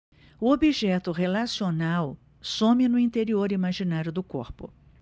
o objeto relacional some no interior imaginário do corpo